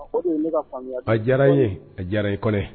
A diyara ye a diyara i kɔnɔ